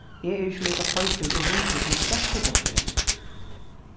eg eri ikki líka feitur og rundur sum størsti bukkurin